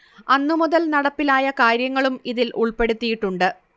അന്നുമുതൽ നടപ്പിലായ കാര്യങ്ങളും ഇതിൽ ഉൾപ്പെടുത്തിയിട്ടുണ്ട്